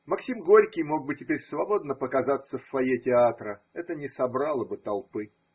Максим Горький мог бы теперь свободно показаться в фойе театра, это не собрало бы толпы.